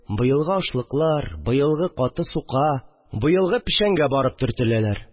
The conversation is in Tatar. Быелгы ашлыклар, быелгы каты сука, быелгы печәнгә барып төртеләләр